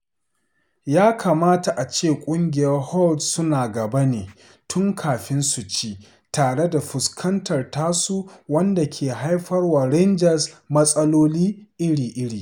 Ya kamata a ce ƙungiyar Holt suna gaba ne tun kafin su ci, tare da fuskantar tasu wanda ke haifar wa Rangers matsaloli iri-iri.